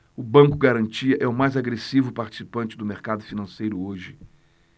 o banco garantia é o mais agressivo participante do mercado financeiro hoje